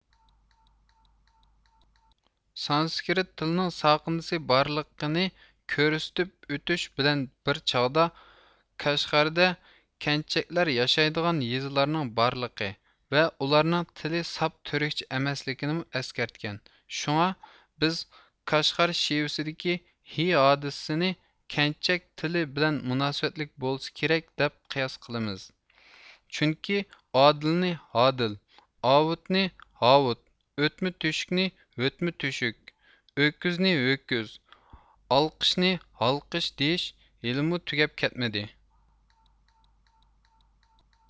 سانسىكرىت تىلىنىڭ ساقىندىسى بارلىقىنى كۆرسىتىپ ئۆتۈش بىلەن بىر چاغدا كاشغەردە كەنچەكلەر ياشايدىغان يېزىلارنىڭ بارلىقى ۋە ئۇلارنىڭ تىلى ساپ تۈركچە ئەمەسلىكىنىمۇ ئەسكەرتكەن شۇڭا بىز كاشغەر شىۋىسىدىكى ھې ھادىسىسىنى كەنچەك تىلى بىلەن مۇناسىۋەتلىك بولساكېرەك دەپ قىياس قىلىمىز چۈنكى ئادىلنى ھادىل ئاۋۇتنى ھاۋۇت ئۆتمە تۆشۈكنى ھۆتمە تۆشۈك ئۆكۈزنى ھۆكۈز ئالقىشنى ھالقىش دېيىش ھېلىمۇ تۈگەپ كەتمىدى